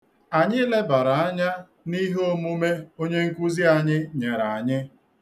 Anyị lebara anya n'ihe omume onyenkụzi anyị nyere anyị.